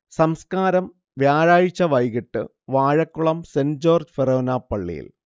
സംസ്കാരം വ്യാഴാഴ്ച വൈകീട്ട് വാഴക്കുളം സെന്‍റ് ജോർജ് ഫൊറോന പള്ളിയിൽ